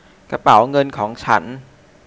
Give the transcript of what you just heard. กระเป๋าเงินของฉัน